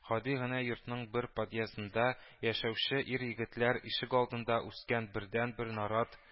Гади генә йортның бер подъездында яшәүче ир-егетләр ишегалдында үскән бердәнбер нарат